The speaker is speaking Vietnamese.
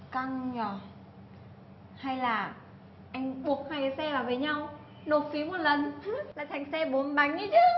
căng nhở hay là anh buộc cái xe vào với nhau nộp phí lần là thành xe bánh đấy chứ